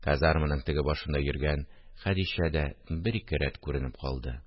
Казарманың теге башында йөргән Хәдичә дә бер-ике рәт күренеп калды